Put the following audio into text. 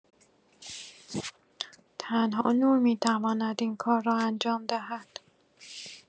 تنها نور می‌تواند این کار را انجام دهد